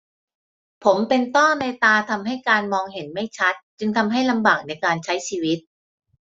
ผมเป็นต้อในตาทำให้การมองเห็นไม่ชัดจึงทำให้ลำบากในการใช้ชีวิต